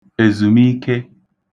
èzùmike